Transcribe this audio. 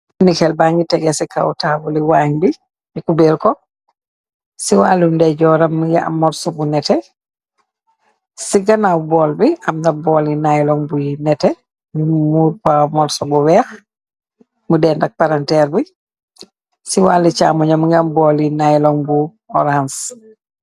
Inni xel ba ngi tegee ci kaw taawuli waañ bi bi ku beer ko ci wàllu ndejooram gi a morso bu nete ci ganaaw bool bi amna booli nailoŋg buy nete ñu muur pa morso bu weex mu deen ak paranteer bi ci wàlli caamu ñam ngam booli nayloŋ bu orance.